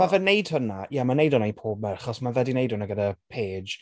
Ma' fe'n wneud hwnna... ie, mae'n wneud hwnna i pob merch, achos ma' fe wedi wneud hwnna gyda Paige.